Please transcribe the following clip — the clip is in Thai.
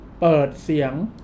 เปิดเสียง